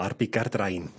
ar biga'r drain.